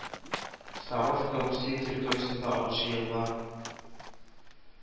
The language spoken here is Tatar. Саровка Русия территориясендә агучы елга